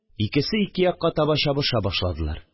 Икесе ике якка таба чабыша башладыла